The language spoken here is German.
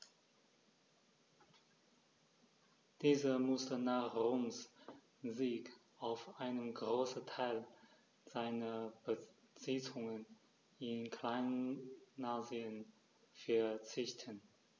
Dieser musste nach Roms Sieg auf einen Großteil seiner Besitzungen in Kleinasien verzichten.